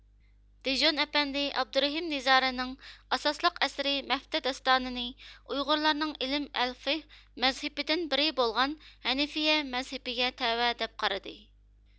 دىژون ئەپەندى ئابدۇرېھىم نىزارىنىڭ ئاساسلىق ئەسىرى مەفتە داستانى نى ئۇيغۇرلارنىڭ ئىلىم ئەلفىخ مەزھىپىدىن بىرى بولغان ھەنىفىيە مەزھىپىگە تەۋە دەپ قارىدى